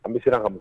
An bɛ siran ka